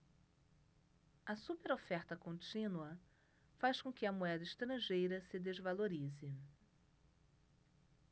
a superoferta contínua faz com que a moeda estrangeira se desvalorize